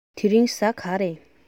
དེ རིང གཟའ གང རས